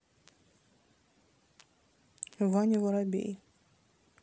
ваня воробей